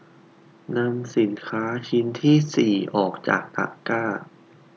นำสินค้าชิ้นที่สี่ออกจากตะกร้า